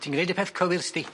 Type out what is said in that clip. Ti'n gneud y peth cywir sti.